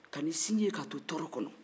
kan'i sinji ye k'a to tɔɔrɔ kɔnɔ